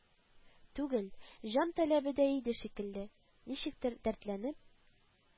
Түгел, җан таләбе дә иде шикелле, ничектер дәртләнеп,